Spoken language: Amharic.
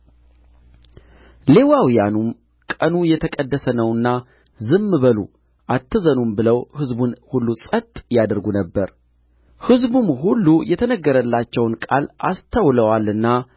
ሌዋውያንም ቀኑ የተቀደሰ ነውና ዝም በሉ አትዘኑም ብለው ሕዝቡን ሁሉ ጸጥ ያደርጉ ነበር ሕዝቡም ሁሉ የተነገረላቸውን ቃል አስተውለዋልና